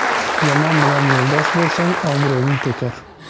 yomon bilan yo'ldosh bo'lsang obro'ying to'kar